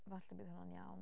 Falle bydd hwnna'n iawn.